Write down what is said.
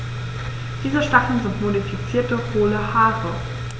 Diese Stacheln sind modifizierte, hohle Haare.